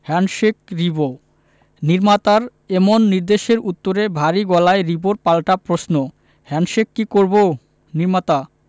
handshake Ribo নির্মাতার এমন নির্দেশের উত্তরে ভারী গলায় রিবোর পাল্টা প্রশ্ন হ্যান্ডশেক কি করবো নির্মাতা